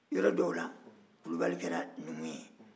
yɔrɔ dɔw la kulubali kɛra numu ye